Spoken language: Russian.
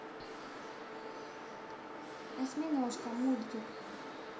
осьминожка мультик